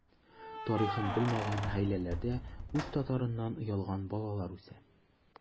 Тарихын белмәгән гаиләләрдә үз татарыннан оялган балалар үсә.